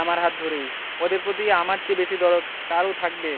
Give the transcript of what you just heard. আমার হাত ধরেই ওদের প্রতি আমার চেয়ে বেশি দরদ কারও থাকবে